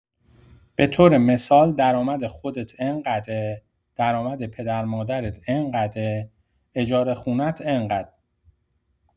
به‌طور مثال درآمد خودت انقده، درآمد پدر مادرت انقد، اجاره خونه‌ت انقد